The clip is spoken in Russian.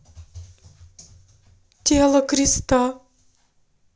тело креста